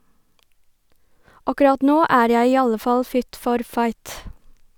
Akkurat nå er jeg i alle fall fit for fight.